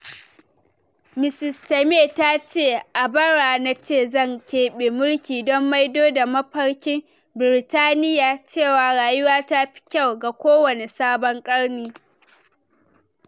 Mrs May tace: "A bara na ce zan keɓe mulki don maido da mafarkin Birtaniya - cewa rayuwa ta fi kyau ga kowane sabon ƙarni.